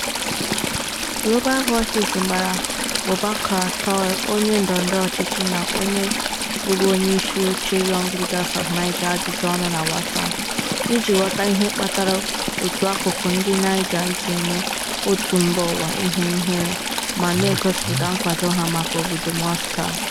Global Voices gbara Boubacar Touré onye ndọrọndọrọ ọchịchị na onye bụbụ onye isi oche Young Leaders of Niger ajụjụọnụ na WhatsApp iji ghọta ihe kpatara otu akụkụ ndị Niger jị eme òtù mbaụwa ihe ihere ma na- egosipụta nkwado ha maka obodo Moscow.